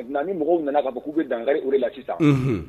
Maintenant ni mɔgɔw nana kafɔ k'u bɛ dankari o dela la sisan unhun